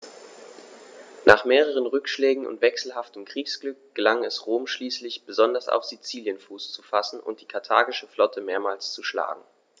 Nach mehreren Rückschlägen und wechselhaftem Kriegsglück gelang es Rom schließlich, besonders auf Sizilien Fuß zu fassen und die karthagische Flotte mehrmals zu schlagen.